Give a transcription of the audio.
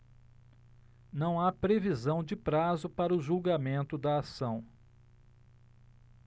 não há previsão de prazo para o julgamento da ação